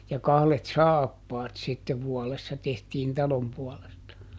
ja kahdet saappaat sitten vuodessa tehtiin talon puolesta